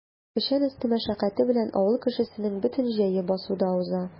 Печән өсте мәшәкате белән авыл кешесенең бөтен җәе басуда уза.